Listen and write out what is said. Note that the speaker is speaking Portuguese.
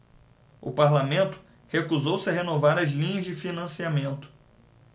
o parlamento recusou-se a renovar as linhas de financiamento